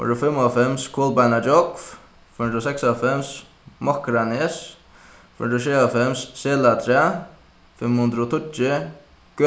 fimmoghálvfems kolbeinagjógv fýra hundrað og seksoghálvfems nes fýra hundrað og sjeyoghálvfems selatrað fimm hundrað og tíggju